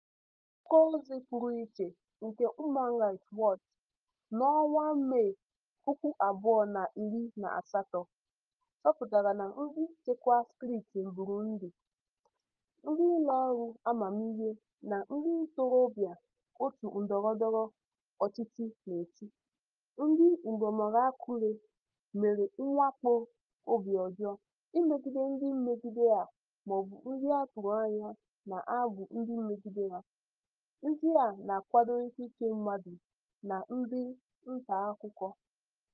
N'akụkọozi pụrụ iche nke Human Rights Watch n'ọnwa Mee 2018 ha chọpụtara na ndị nchekwa steeti Burundi, ndị ụlọọrụ amamiihe, na ndị ntorobịa òtù ndọrọndọrọ ọchịchị na-achị, ndị Imbonerakure, mere mwakpo obi ọjọọ imegide ndị mmegide ha mọọbụ ndị a tụrụ anya na ha bụ ndị mmegide ha, ndị na-akwado ikike mmadụ, na ndị ntaakụkọ.